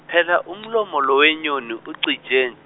phela umlomo lo wenyoni ucije.